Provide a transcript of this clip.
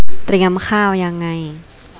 เตรียมข้าวยังไง